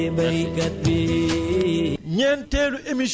le temps que ma dellusiwaat si yow léegi-léegi insaa àllaa